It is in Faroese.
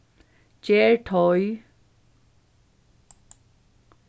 ger teig